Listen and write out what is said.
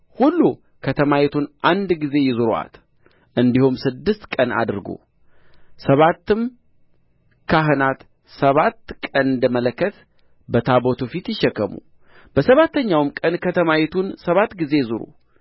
ሁሉ ከተማይቱን አንድ ጊዜ ይዙሩአት እንዲሁም ስድስት ቀን አድርጉ ሰባትም ካህናት ሰባት ቀንደ መለከት በታቦቱ ፊት ይሸከሙ በሰባተኛውም ቀን ከተማይቱን ሰባት ጊዜ ዙሩ